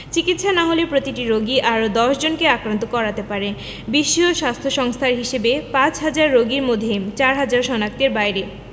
চিকিৎসা না হলে প্রতিটি রোগী আরও ১০ জনকে আক্রান্ত করাতে পারে বিশ্ব স্বাস্থ্য সংস্থার হিসেবে পাঁচহাজার রোগীর মধ্যে চারহাজার শনাক্তের বাইরে